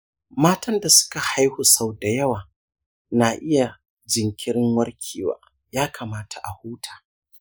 matan da suka haihu sau da yawa na iya jinkirin warkewa, ya kamata a huta.